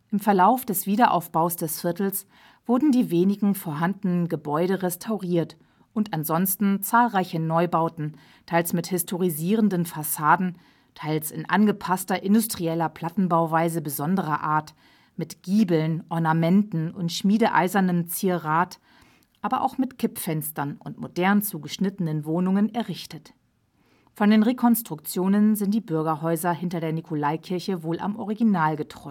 Im Verlauf des Wiederaufbaus des Viertels wurden die wenigen vorhandenen Gebäude restauriert und ansonsten zahlreiche Neubauten, teils mit historisierenden Fassaden, teils in angepasster industrieller Plattenbauweise besonderer Art – mit Giebeln, Ornamenten und schmiedeeisernem Zierrat, aber auch mit Kippfenstern und modern zugeschnittenen Wohnungen – errichtet. Von den Rekonstruktionen sind die Bürgerhäuser hinter der Nikolaikirche wohl am originalgetreuesten. Dies trifft